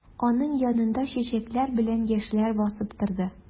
Аның янында чәчәкләр белән яшьләр басып торды.